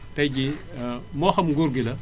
tay jii moo xam nguur gi la